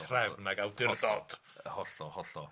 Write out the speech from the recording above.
Trefn ag awdurdod... Hollol hollol.